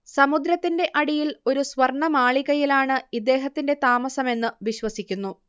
സമുദ്രത്തിന്റെ അടിയിൽ ഒരു സ്വർണ്ണമാളികയിലാണ് ഇദ്ദേഹത്തിന്റെ താമസമെന്ന് വിശ്വസിക്കുന്നു